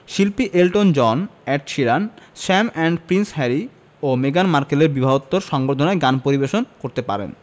শিল্পী Elton John Ed Sheeran Sam Smith Prince Harry ও মেগান মার্কেলের বিবাহোত্তর সংবর্ধনায় গান পরিবেশন করতে পারেন